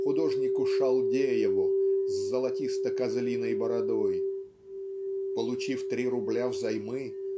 художнику Шалдееву с золотисто-козлиной бородой получив три рубля взаймы